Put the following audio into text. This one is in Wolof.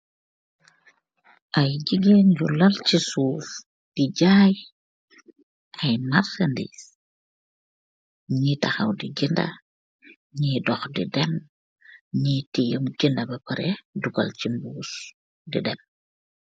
Aiy jigen ju lal chi suuf, di jaiy aiy marsandinse, nyi takhaw di jendah, nyi doh di dem, nyi tiyeh lun jendah bepareh dugal chi mbuss, di dem.